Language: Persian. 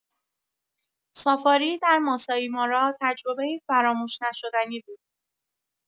سافاری در ماسایی مارا، تجربه‌ای فراموش‌نشدنی بود.